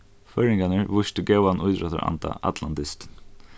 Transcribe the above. føroyingarnir vístu góðan ítróttaranda allan dystin